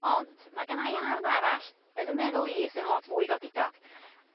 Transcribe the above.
Ond ma' gennai ardd arall yn 'yn meddwl i sydd yn lot fwy godidog.